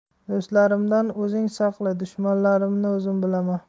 do'stlarimdan o'zing saqla dushmanlarimni o'zim bilaman